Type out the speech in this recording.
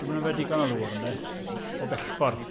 Dwi ddim yn yfed digon o ddŵr ynte, o bell ffordd.